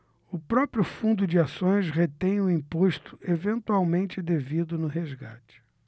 o próprio fundo de ações retém o imposto eventualmente devido no resgate